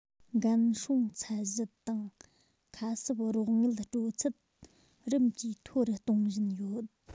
འགན སྲུང ཚད གཞི དང ཁ གསབ རོགས དངུལ སྤྲོད ཚད རིམ གྱིས མཐོ རུ གཏོང བཞིན ཡོད